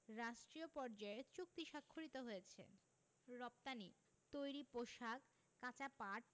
রাষ্ট্রীয় পর্যায়ে চুক্তি স্বাক্ষরিত হয়েছে রপ্তানিঃ তৈরি পোশাক কাঁচা পাট